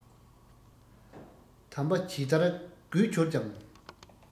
དམ པ ཇི ལྟར རྒྱུད གྱུར ཀྱང